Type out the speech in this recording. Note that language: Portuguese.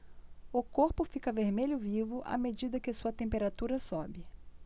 o corpo fica vermelho vivo à medida que sua temperatura sobe